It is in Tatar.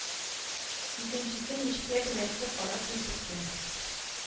Икенчесе нечкә беләкле, кара күзлекле